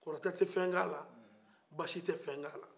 kɔrɔtɛ tɛ fɛn k'ala basi tɛ fɛn k'ala